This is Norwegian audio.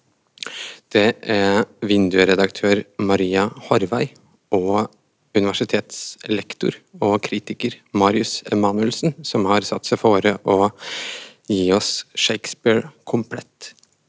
er Vinduet-redaktør Maria Horvei og universitetslektor og kritiker Marius Emanuelsen som har satt seg fore å gi oss Shakespeare komplett.